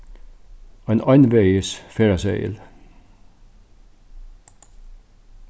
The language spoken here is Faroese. ein einvegis ferðaseðil